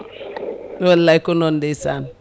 wallay ko noon ndeysan